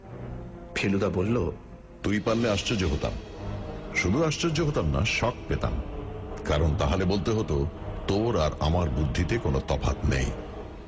ফেলুদা বলল তুই পারলে আশ্চর্য হতাম শুধু আশ্চর্য হতাম না শক পেতাম কারণ তাহলে বলতে হত তোর আর আমার বুদ্ধিতে কোনও তফাত নেই